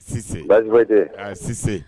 Sise baasi foyi tɛ yen, a Sise